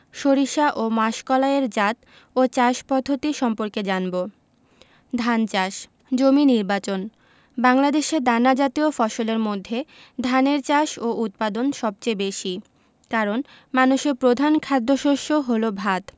সরিষা ও মাসকলাই এর জাত ও চাষ পদ্ধতি সম্পর্কে জানব ধান চাষ জমি নির্বাচন বাংলাদেশে দানা জাতীয় ফসলের মধ্যে ধানের চাষ ও উৎপাদন সবচেয়ে বেশি কারন মানুষের প্রধান খাদ্যশস্য হলো ভাত